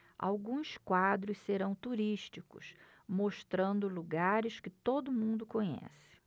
alguns quadros serão turísticos mostrando lugares que todo mundo conhece